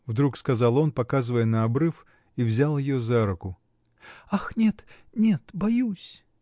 — вдруг сказал он, показывая на обрыв и взяв ее за руку. — Ах, нет, нет, боюсь!